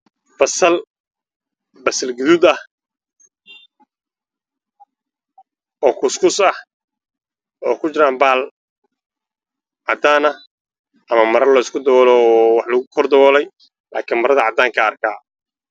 Meeshaan waxaa ka muuqdo basal gaduud